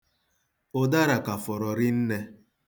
Ụdara ka fọrọ rinne.